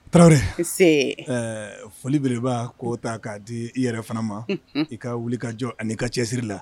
Taraw foliele ko ta k'a di i yɛrɛ fana ma i ka wuli ka jɔ ani ka cɛsiri la